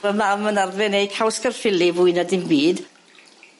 Fy mam yn arfer neu' caws Carffili fwy na dim byd.